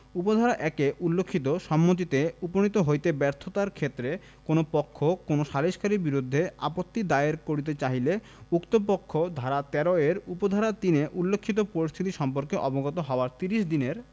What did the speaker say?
উপ ধারা ১ এ উল্লেখিত সম্মতিতে উপনীত হইতে ব্যর্থতার ক্ষেত্রে কোন পক্ষ কোন সালিসকারীর বিরুদ্ধে আপত্তি দায়ের করিতে চাহিলে উক্ত পক্ষ ধারা ১৩ এর উপ ধারা ৩ এ উল্লেখিত পরিস্থিতি সম্পর্কে অবগত হওয়ার ত্রিশ দিনের